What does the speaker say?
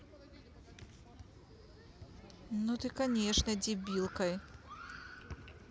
ну ты конечно дебилкой